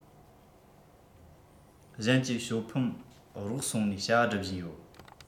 གཞན གྱིས ཞོ ཕམ རོགས སོང ནས བྱ བ སྒྲུབ བཞིན ཡོད